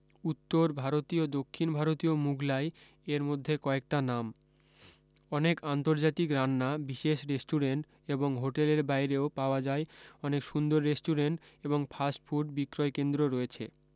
উত্তর ভারতীয় দক্ষিণ ভারতীয় মুঘলাই এর মধ্যে কয়েকটা নাম অনেক আন্তর্জাতিক রান্না বিশেষ রেস্টুরেন্ট এবং হোটেলের বাইরেও পাওয়া যায় অনেক সুন্দর রেস্টুরেন্ট ও ফাস্ট ফুড বিক্রয় কেন্দ্র রয়েছে